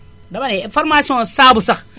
dama ne formation saabu sax